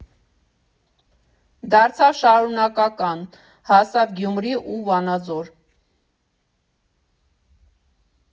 Դարձավ շարունակական, հասան Գյումրի ու Վանաձոր։